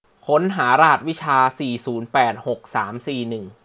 ค้นหารหัสวิชาสี่ศูนย์แปดหกสามสี่หนึ่ง